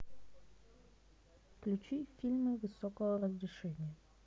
включи фильмы высокого разрешения